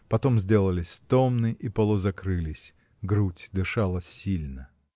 потом сделались томны и полузакрылись грудь дышала сильно.